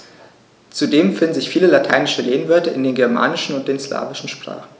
Zudem finden sich viele lateinische Lehnwörter in den germanischen und den slawischen Sprachen.